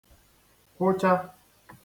kwụcha